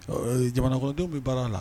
Jamana kodenw bɛ baara la